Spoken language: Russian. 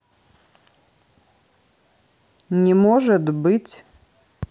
не может быть